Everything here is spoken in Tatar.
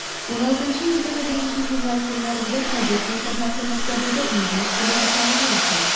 16-21 февраль көннәрендә кадет интернатлы мәктәбендә инглиз теле атналыгы узды.